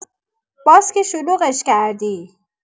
باز که شلوغش کردی؟